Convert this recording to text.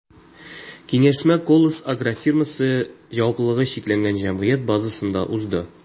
Киңәшмә “Колос” агрофирмасы” ҖЧҖ базасында узды.